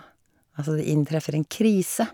Altså, det inntreffer en krise.